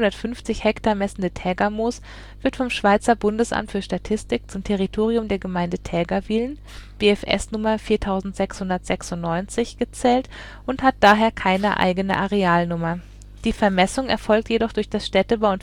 150 Hektar messende Tägermoos wird vom Schweizer Bundesamt für Statistik zum Territorium der Gemeinde Tägerwilen (BFS-Nr. 4696) gezählt und hat daher keine eigene Arealnummer. Die Vermessung erfolgt jedoch durch das Städtebau